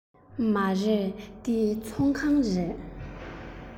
མ རེད འདི ཚོང ཁང རེད